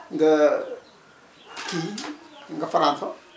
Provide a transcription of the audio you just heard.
nga kii nga fanaan fa